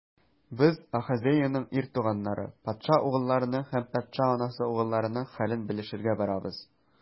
Без - Ахазеянең ир туганнары, патша угылларының һәм патша анасы угылларының хәлен белешергә барабыз.